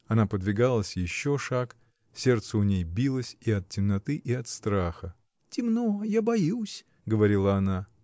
Она подвигалась еще шаг: сердце у ней билось и от темноты, и от страха. — Темно, я боюсь. — говорила она.